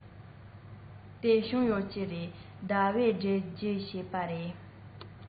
དེ བྱུང ཡོད ཀྱི རེད ཟླ བས སྤྲོད རྒྱུ བྱས པ རེད